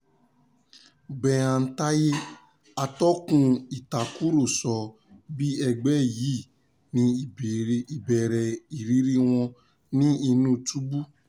Berhan Taye, atọ́kùn ìtàkùrọ̀sọ, bi ẹgbẹ́ yìí ní ìbéèrè ìrírí wọn ní inú túbú.